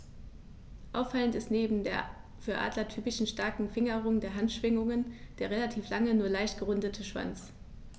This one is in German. Auffallend ist neben der für Adler typischen starken Fingerung der Handschwingen der relativ lange, nur leicht gerundete Schwanz.